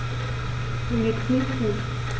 Mir geht es nicht gut.